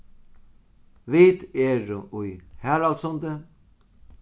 vit eru í haraldssundi